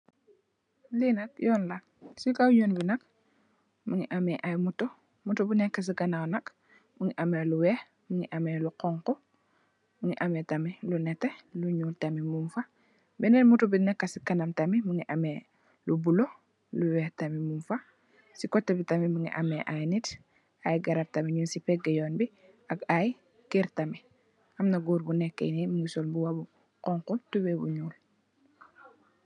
Lii nak Yoon la, si kow Yoon bi nak, mu ngi amee,"motto", "motto", bi nekka si ganaaw nak, mu ngi amee lu weex, mu ngi amee lu xoñxu, mu ngi amee tamit lu nétté, lu ñuul tamit mung fa, bénen "motto" bi nekkë si kanam tamit, mu ngi amee, lu bulo, lu weex tamit mung fa, si kotti tamit mu ngi amee ay nit, ay garab tamit ñun si peegë yoon bi, ak ay kerr, tamit. Am na góor gu nekkë nii, mu ngi sol mbuba bu xoñxu, tubooy bu ñuul.